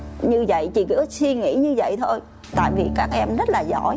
như vậy chị cứ suy nghĩ như vậy thôi tại vì các em rất là giỏi